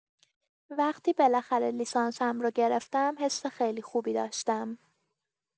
وقتی بالاخره لیسانسم رو گرفتم حس خیلی خوبی داشتم.